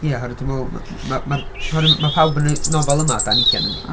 Ie oherwydd dwi'n meddwl m- m- mae pawb yn y nofel yma dan ugain yndi?